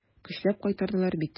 Көчләп кайтардылар бит.